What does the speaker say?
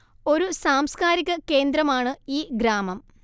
ഒരു സാംസ്കാരിക കേന്ദ്രമാണ് ഈ ഗ്രാമം